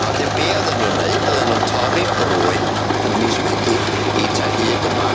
A wedyn be odden nw'n neud odden nw'n torri brwyn yn mis Medi i t'a hyd yma.